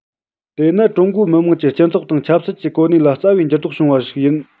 དེ ནི ཀྲུང གོའི མི དམངས ཀྱི སྤྱི ཚོགས དང ཆབ སྲིད ཀྱི གོ གནས ལ རྩ བའི འགྱུར ལྡོག བྱུང བ ཞིག ཡིན